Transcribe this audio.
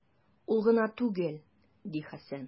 Ул гына түгел, - ди Хәсән.